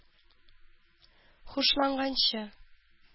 Хушланганчы